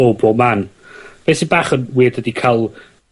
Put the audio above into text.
o bob man. Be' sydd bach yn wierd ydi ca'l